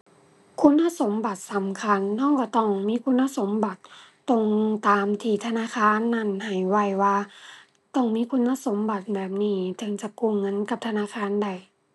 คุณสมบัติสำคัญ เราเราต้องมีคุณสมบัติตรงตามที่ธนาคารนั้นให้ไว้ว่า ต้องมีคุณสมบัติแบบนี้ถึงจะกู้เงินกับธนาคารได้